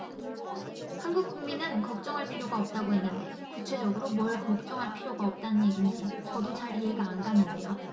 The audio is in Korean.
한국 국민은 걱정할 필요가 없다고 했는데 구체적으로 뭘 걱정할 필요가 없다는 얘긴지 저도 잘 이해가 안 가는데요